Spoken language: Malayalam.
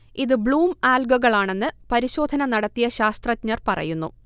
ഇത് ബ്ലൂം ആൽഗകളാണെന്ന് പരിശോധന നടത്തിയ ശാസ്തജഞർ പറയുന്നു